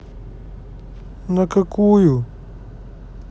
на какую